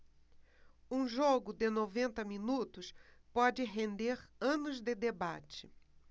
um jogo de noventa minutos pode render anos de debate